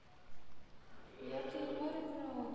я ты и море караоке